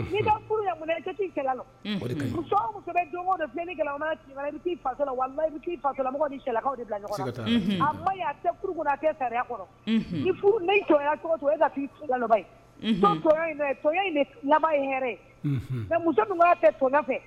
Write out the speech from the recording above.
Lalamɔgɔ a ni cogo laban in mɛ mu tun tɛ toda fɛ